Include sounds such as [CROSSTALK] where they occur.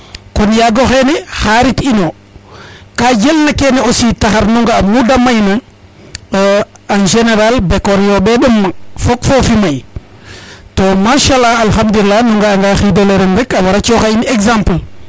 konn yaga o xene xarit ino ka jel na kene aussi taxar nu nga a mu te mayna [HESITATION] en general bekor yombe ndom fok fofu may to machaalah Alhadoulilah nu nga a nga xido le ren rek a wara coxa in exemple